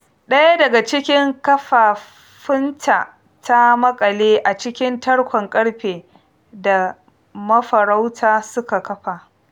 ɗaya daga cikin ƙafafunta ta maƙale a cikin tarkon ƙarfe da mafarauta suka kafa.